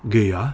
Gaea